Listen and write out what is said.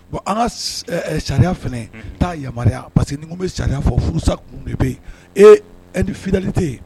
Bon an ka sariya fana taa yamaruyaya parce que nkun bɛ sariya fɔ furusa kun de bɛ e e ni fili tɛ yen